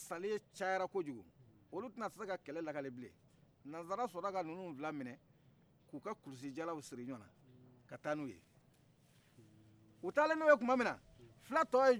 nanzara sɔrɔla ka ninnu fila minɛ k'u ka kulisi jalaw siri ɲɔgɔnna ka taa n'u ye u taalen n'u ye tuma min na fula tɔ ye jɔnni ye